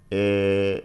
Ɛɛ